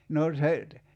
no se nyt